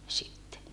sitten